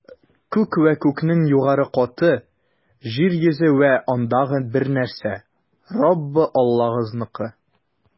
Күк вә күкнең югары каты, җир йөзе вә андагы бар нәрсә - Раббы Аллагызныкы.